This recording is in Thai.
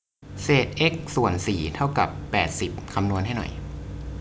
เศษเอ็กซ์ส่วนสี่เท่ากับแปดสิบคำนวณให้หน่อย